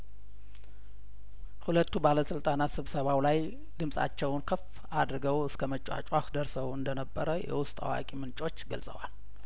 ሁለቱ ባለስልጣናት ስብሰባው ላይ ድምጻቸውን ከፍ አድርገው እስከ መጯጫህ ደርሰው እንደነበረ የውስጥ አዋቂ ምንጮች ገልጸዋል